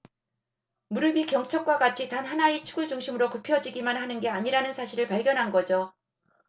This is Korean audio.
무릎이 경첩과 같이 단 하나의 축을 중심으로 굽혀지기만 하는 게 아니라는 사실을 발견한 거죠